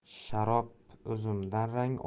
sharob uzumdan rang